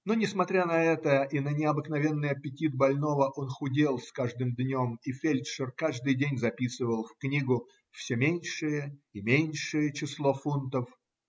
Но, несмотря на это и на необыкновенный аппетит больного, он худел с каждым днем, и фельдшер каждый день записывал в книгу все меньшее и меньшее число фунтов.